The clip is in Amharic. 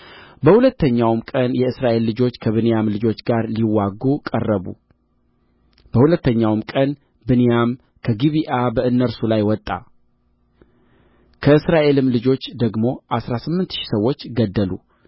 በሁለተኛውም ቀን የእስራኤል ልጆች ከብንያም ልጆች ጋር ሊዋጉ ቀረቡ በሁለተኛውም ቀን ብንያም ከጊብዓ በእነርሱ ላይ ወጣ ከእስራኤልም ልጆች ደግሞ አሥራ ስምንት ሺህ ሰዎች ገደሉ